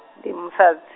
ndi musadz-.